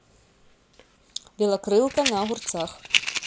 белокрылка на огурцах